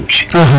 axa